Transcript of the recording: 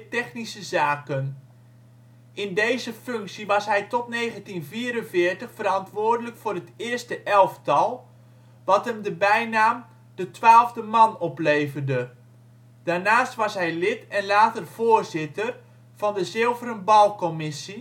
technische zaken. In deze functie was hij tot 1944 verantwoordelijk voor het eerste elftal, wat hem de bijnaam de twaalfde man opleverde. Daarnaast was hij lid en later voorzitter van de Zilveren Bal-commissie